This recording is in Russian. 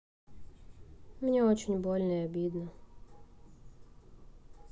мне очень больно и обидно